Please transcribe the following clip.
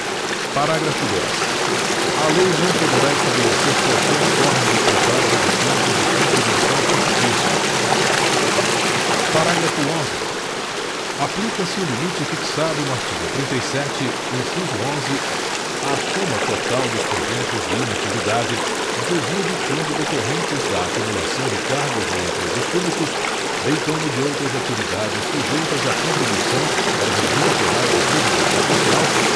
parágrafo dez a lei não poderá estabelecer qualquer forma de contagem de tempo de contribuição fictício parágrafo onze aplica se o limite fixado no artigo trinta e sete inciso onze à soma total dos proventos de inatividade inclusive quando decorrentes da acumulação de cargos ou empregos públicos bem como de outras atividades sujeitas a contribuição para o regime geral de previdência social